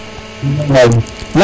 *